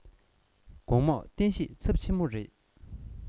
དགོང མོ བསྟན བཤུག ཚབས ཆེན མོ རེ